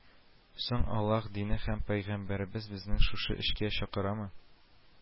Соң Аллаһ дине һәм пәйгамбәребез безне шушы эшкә чакырамы